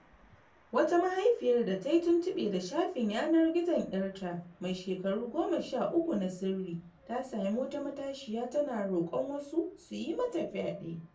Wata mahaifiyar da ta yi tuntuɓe da shafin yanar gizon 'yarta mai shekaru 13 na sirri ta sami wata matashiya tana roƙon wasu su "yi mata fyade.”